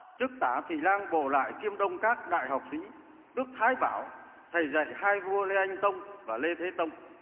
chức tả thị lang bộ lại kiêm đông các đại học sĩ đức thái bảo thầy dạy hai vua lê anh tông và lê thế tông